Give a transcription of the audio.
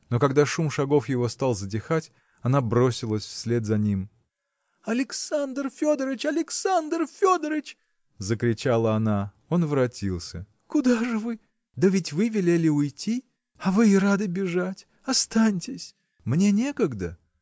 Но когда шум шагов его стал затихать, она бросилась вслед за ним. – Александр Федорыч! Александр Федорыч! – закричала она. Он воротился. – Куда же вы? – Да ведь вы велели уйти. – А вы и рады бежать. Останьтесь! – Мне некогда!